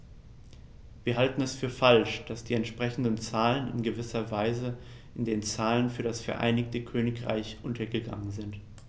Wir halten es für falsch, dass die entsprechenden Zahlen in gewisser Weise in den Zahlen für das Vereinigte Königreich untergegangen sind.